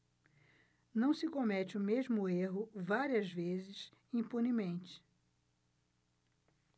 não se comete o mesmo erro várias vezes impunemente